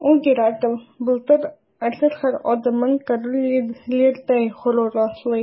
Ул – Геракл, Былтыр, атлет – һәр адымын Король Лирдай горур атлый.